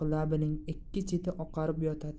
labining ikki cheti oqarib yotadi